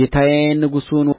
ጌታዬን ንጉሡን